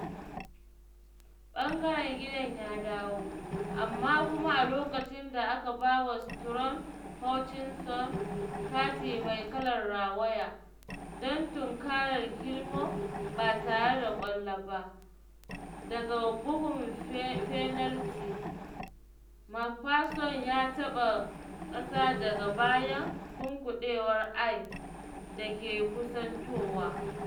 Ɓangaren gidan ya dawo, amma, kuma a lokacin da aka bawa Struan Hutchinson kati me kalar rawaya don tunkarar Climo ba tare da ƙwallo ba, daga bugun fenalti, MacPherson ya taɓa ƙasa daga bayan tunkuɗewar Ayr da ke kusantowa.